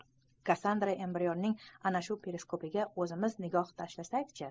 kassandra embrionning ana shu periskopiga o'zimiz nigoh tashlasak chi